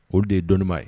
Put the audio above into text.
O de ye dɔnnii ye